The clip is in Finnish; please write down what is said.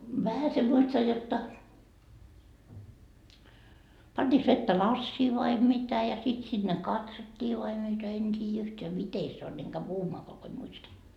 vähäsen muistan jotta pantiinkos vettä lasiin vai mitä ja sitten sinne katsottiin vai mitä en tiedä yhtään miten se on en käy puhumaankaan kun en muista